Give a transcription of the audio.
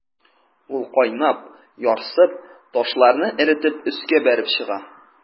Ул кайнап, ярсып, ташларны эретеп өскә бәреп чыга.